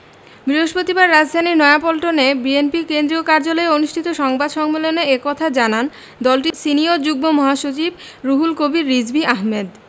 বৃহস্পতিবার রাজধানীর নয়াপল্টনে বিএনপির কেন্দ্রীয় কার্যালয়ে অনুষ্ঠিত সংবাদ সম্মেলন এ কথা জানান দলটির সিনিয়র যুগ্ম মহাসচিব রুহুল কবির রিজভী আহমেদ